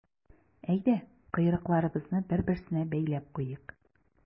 Әйдә, койрыкларыбызны бер-берсенә бәйләп куйыйк.